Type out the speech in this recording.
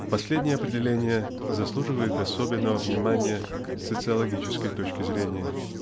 последнее определение заслуживает особенного внимания с социологической точки зрения.